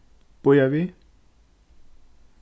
bíða við